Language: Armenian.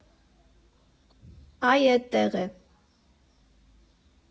Այ էդտեղ է.